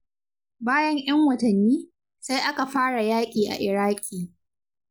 Bayan 'yan watanni, sai aka fara yaƙi a Iraƙi.